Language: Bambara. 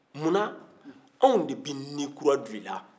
munna anw de bɛ ni kura don i la